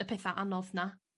y petha anodd 'na